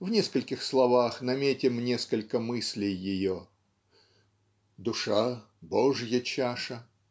В нескольких словах наметим несколько мыслей ее. Душа - Божья чаша.